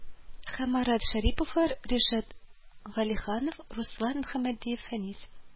Һәм марат шәриповлар, ришат галиханов, руслан мөхәммәдиев, фәнис